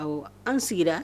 Ɔ an sigira